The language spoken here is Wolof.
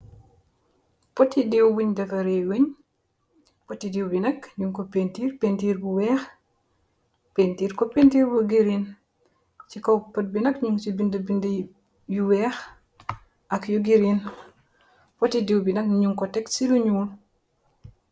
Poti diwoo bu defarey wonyi, poti diwwo bi nak nu kor penturr, penturr bu weex , penturr kor penturr bu green. Ci kaw pot bi nak nu ci binda, binda yuu weex ak green, nu kor tac fu nuul.